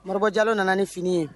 Moribɔ Diallo nana ni fini ye